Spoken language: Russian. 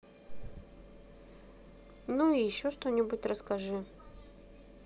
ну и еще что нибудь расскажи